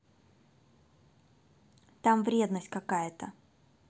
там вредность какая то